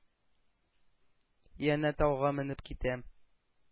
Янә тауга менеп китәм.